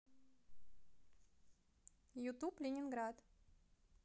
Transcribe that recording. ютуб ленинград